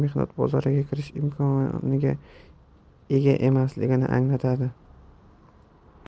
mehnat bozoriga kirish imkoniga ega emasligini anglatadi